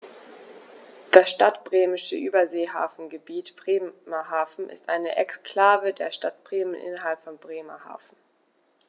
Das Stadtbremische Überseehafengebiet Bremerhaven ist eine Exklave der Stadt Bremen innerhalb von Bremerhaven.